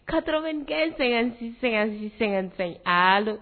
95 56 56 55, allo